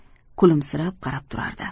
kulimsirab qarab turardi